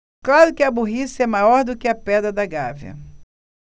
claro que a burrice é maior do que a pedra da gávea